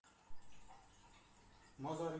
mozorga o'lik kelmasa